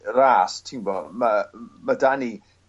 ras ti'n 'bo' my' my' 'da ni